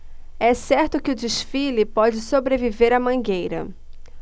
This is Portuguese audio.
é certo que o desfile pode sobreviver à mangueira